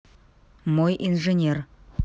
мой инженер